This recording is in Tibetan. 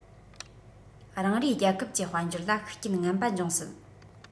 རང རེའི རྒྱལ ཁབ ཀྱི དཔལ འབྱོར ལ ཤུགས རྐྱེན ངན པ འབྱུང སྲིད